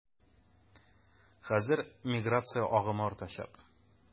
Хәзер миграция агымы артачак.